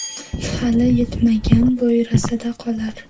holi yetmagan bo'yrasida qolar